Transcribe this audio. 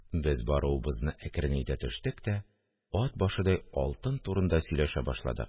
Без баруыбызны әкренәйтә төштек тә «ат башыдай алтын» турында сөйләшә башладык